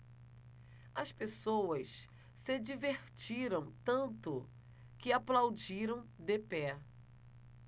as pessoas se divertiram tanto que aplaudiram de pé